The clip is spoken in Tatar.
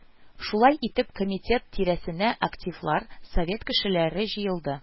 Шулай итеп, комитет тирәсенә активлар, совет кешеләре җыелды